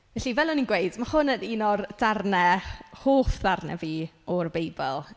Felly fel o'n i'n gweud ma' hwn yn un o'r darnau... hoff ddarnau fi o'r Beibl.